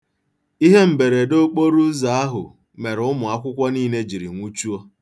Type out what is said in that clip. Ihe mberede okporoụzọ ahụ mere ụmụakwụkwọ niile jiri nwụchuo.